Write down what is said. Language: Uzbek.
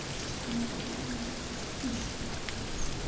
sichqonning qarg'ishi mushukka o'tmas